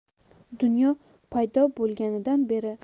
dunyo paydo bo'lganidan beri